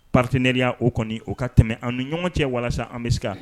Pateɛya o kɔni o ka tɛmɛ an ni ɲɔgɔn cɛ walasa an bɛ